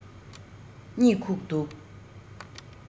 གཉིད ཁུག འདུག